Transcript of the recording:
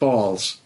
Balls.